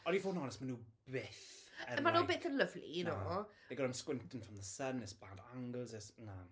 Ond i fod yn onest, maen nhw byth yn like... A maen nhw byth yn lyfli you know... They got them squinting from the sun, it's bad angles, it's... na.